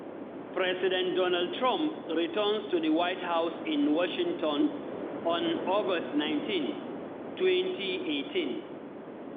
President Donald Trump returns to the White House in Washington on August 19, 2018.